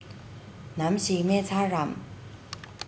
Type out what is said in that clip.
ནམ ཞིག རྨས ཚར རམ